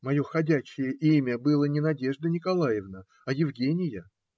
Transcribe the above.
Мое ходячее имя было не Надежда Николаевна, а Евгения.